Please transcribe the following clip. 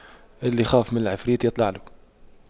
اللي يخاف من العفريت يطلع له